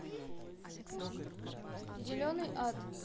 зеленый ад